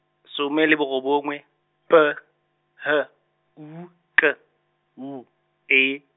some le borobongwe, P, H, U, K, W, E.